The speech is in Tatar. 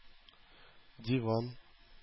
Диван